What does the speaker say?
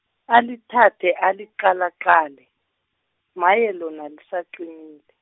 ali thathe aliqalaqale, maye lona lisaqinile.